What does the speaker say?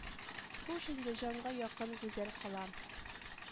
Хуш инде җанга якын гүзәл калам